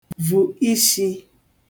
vù ishī